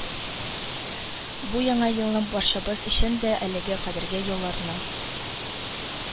Бу яңа елның барчабыз өчен дә әлегә кадәрге елларның